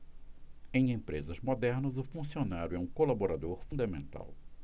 em empresas modernas o funcionário é um colaborador fundamental